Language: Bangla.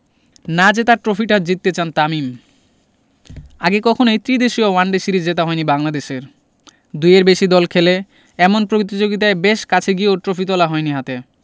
নাজেতা ট্রফিটা জিততে চান তামিম আগে কখনোই ত্রিদেশীয় ওয়ানডে সিরিজ জেতা হয়নি বাংলাদেশের দুইয়ের বেশি দল খেলে এমন প্রতিযোগিতায় বেশ কাছে গিয়েও ট্রফি তোলা হয়নি হাতে